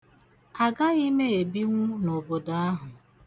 Agaghị m ebinwe n'obodo ahụ.